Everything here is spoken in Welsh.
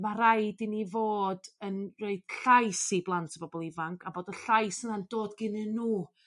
ma' raid i ni fod yn rhoi llais i blant a bobol ifanc a bod y llais yna'n dod gynnyn nw.